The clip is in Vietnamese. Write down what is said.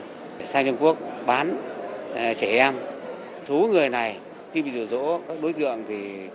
sang trung quốc bán trẻ em thú người này khi bị dụ dỗ các đối tượng thì